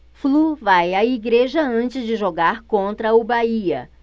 flu vai à igreja antes de jogar contra o bahia